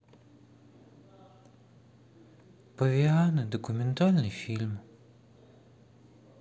павианы документальный фильм